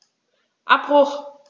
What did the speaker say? Abbruch.